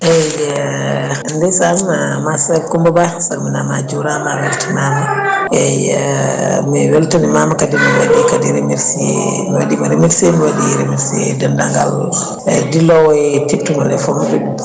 eyyi ndeysan ma soeur Coumba Ba a salminama a jurama a weltanama eyyi mi weltanimama kadi kadi mi waɗi kadi remercier mi waɗima remercier mi waɗi remercier ndendagal e dillo e Timtimo FM